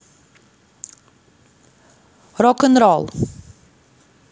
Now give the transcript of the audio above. рок н ролл